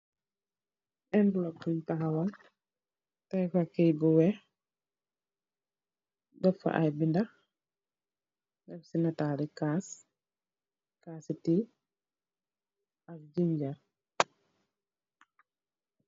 Envelope bun taxawal tay fa keyt bu weex defa ay benda def si netali kass kassi tea ak jinger.